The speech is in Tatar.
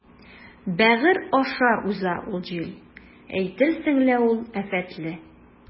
Бәгырь аша уза ул җил, әйтерсең лә ул афәтле.